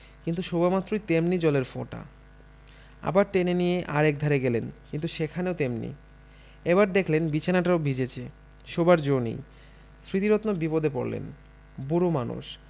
কিন্তু শোবামাত্রই তেমনি জলের ফোঁটা আবার টেনে নিয়ে আর একধারে গেলেন কিন্তু সেখানেও তেমনি এবার দেখলেন বিছানাটাও ভিজেছে শোবার জো নেই স্মৃতিরত্ন বিপদে পড়লেন বুড়ো মানুষ